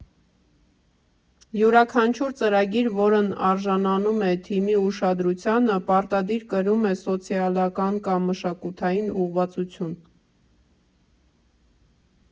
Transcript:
Յուրաքանչյուր ծրագիր, որն արժանանում է թիմի ուշադրությանը, պարտադիր կրում է սոցիալական կամ մշակութային ուղղվածություն։